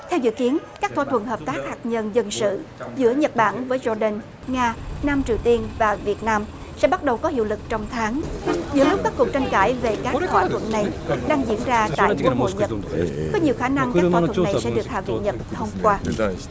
theo dự kiến các thỏa thuận hợp tác hạt nhân dân sự giữa nhật bản với rô đưn nga nam triều tiên vào việt nam sẽ bắt đầu có hiệu lực trong tháng giữa lúc các cuộc tranh cãi về các thỏa thuận này đang diễn ra tại quốc hội nhật có nhiều khả năng các thỏa thuận này sẽ hạ viện nhật thông qua